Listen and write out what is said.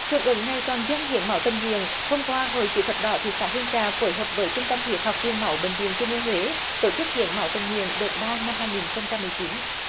hưởng ứng ngày toàn dân hiến máu tình nguyện hôm qua hội chữ thập đỏ thị xã hương trà phối hợp với trung tâm huyết học truyền máu bệnh viện trung ương huế tổ chức hiến máu tình nguyện được ba năm hai nghìn không trăm mười chín